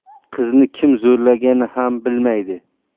qizini kim zo'rlaganini ham bilmaydi